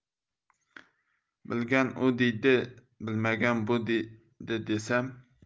bilgan u deydi bilmagan bu deydi desam